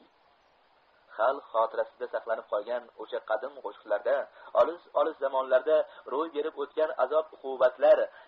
xalq xotirasida saqlanib qolgan o'sha qadim qo'shiqlarda olis olis zamonlarda ro'y berib o'tgan azob uqubatlar